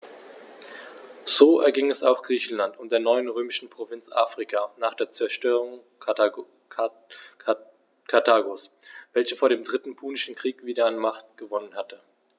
So erging es auch Griechenland und der neuen römischen Provinz Afrika nach der Zerstörung Karthagos, welches vor dem Dritten Punischen Krieg wieder an Macht gewonnen hatte.